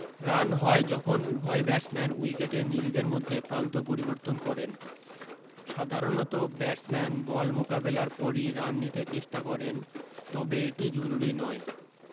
run হয় যখন উভয় ব্যাটসম্যান উইকেটে নিজেদের মধ্যে প্রান্ত পরিবর্তন করেন সাধারণত ব্যাটসম্যান বল মোকাবেলার পরি রান নিতে চেষ্টা করেন তবে এটি জরুরি নয়